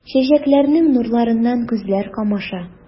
Чәчәкләрнең нурларыннан күзләр камаша.